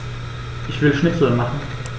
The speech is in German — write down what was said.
Ich will Schnitzel machen.